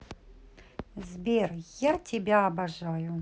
сбер я тебя обожаю